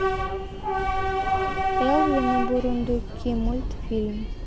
элвин и бурундуки мультфильм